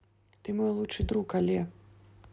ты мой лучший друг але